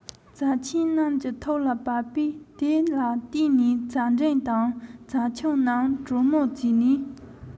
བྱ ཆེན རྣམས ཀྱི ཐུགས ལ བབས པས དེ ལ བརྟེན ནས བྱ འབྲིང དང བྱ ཆུང རྣམས གྲོས མོལ བྱས ནས